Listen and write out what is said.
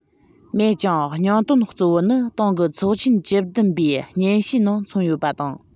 མེད ཀྱང སྙིང དོན གཙོ བོ ནི ཏང གི ཚོགས ཆེན ཐེངས བཅུ བདུན པའི སྙན ཞུའི ནང མཚོན ཡོད པ དང